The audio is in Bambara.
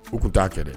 U ko ku ta kɛ dɛ.